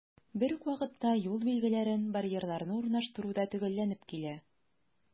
Бер үк вакытта, юл билгеләрен, барьерларны урнаштыру да төгәлләнеп килә.